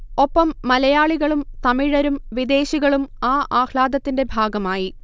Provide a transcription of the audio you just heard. ഒപ്പം മലയാളികളും തമിഴരും വിദേശികളും ആ ആഹ്ളാദത്തിന്റെ ഭാഗമായി